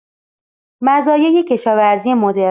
مزایای کشاورزی مدرن